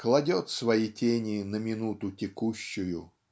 кладет свои тени на минуту текущую.